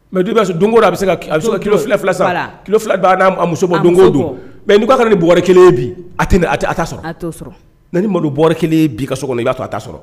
Mɛ bɛ bɛ kilo kilo fila d a muso don mɛ ni b bɔ kelen ni malo b kelen bi ka so i b'a a ta sɔrɔ